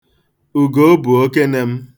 Ugoo bụ okene m.